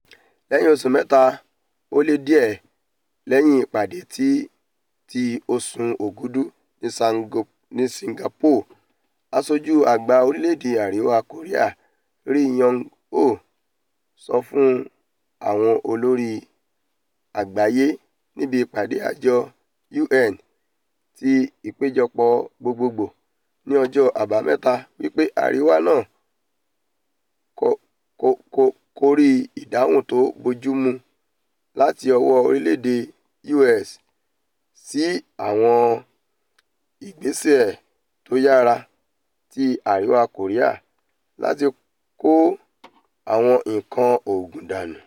Lẹ́yìn oṣù mẹ́ta o le diẹ lẹ́yìn ìpàdé ti oṣù Òkúdu ni Singapore, aṣojú àgbà orílẹ̀-èdè Àríwa Kòríà Ri Yong Ho sọ fún àwọn olórí àgbáyé níbi ìpàdé àjọ U.N. ti Ìpéjọpọ̀ Gbogbogbòò ni ọjọ́ Àbámẹ́ta wípé Àríwá náà kòrí ''ìdáhùn tó bójúmu'' láti ọwọ́ orílẹ̀-èdè U. S. sí àwọn ìgbésẹ̀ tó yára ti Àríwá Kòríà láti kó àwọn nǹkàn ogun dánù.